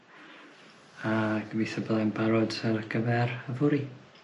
a gobitho byddai'n barod ar gyfer yfory.